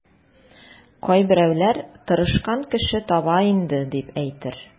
Кайберәүләр тырышкан кеше таба инде, дип әйтер.